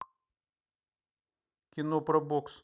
кино про бокс